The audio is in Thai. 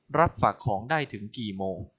รับฝากของได้ถึงกี่โมง